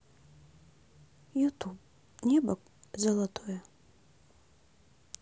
ютуб небо золотое